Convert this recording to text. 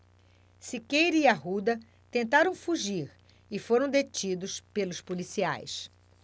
siqueira e arruda tentaram fugir e foram detidos pelos policiais